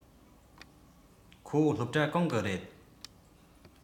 ཁོ སློབ གྲྭ གང གི རེད